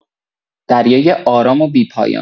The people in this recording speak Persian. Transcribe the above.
دریای آرام و بی‌پایان